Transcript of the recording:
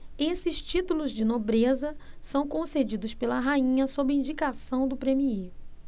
esses títulos de nobreza são concedidos pela rainha sob indicação do premiê